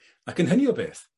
Ac yn hynny o beth